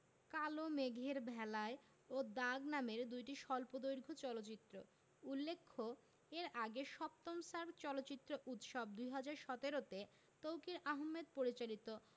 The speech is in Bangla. কালো মেঘের ভেলায় ও দাগ নামের দুটি স্বল্পদৈর্ঘ চলচ্চিত্র উল্লেখ্য এর আগে ৭ম সার্ক চলচ্চিত্র উৎসব ২০১৭ তে তৌকীর আহমেদ পরিচালিত